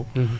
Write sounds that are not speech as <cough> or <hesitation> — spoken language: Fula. <hesitation> <hesitation>